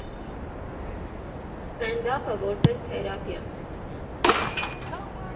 Ստենդափը՝ որպես թերապիա։